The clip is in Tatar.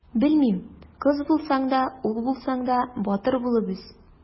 Белмим: кыз булсаң да, ул булсаң да, батыр булып үс!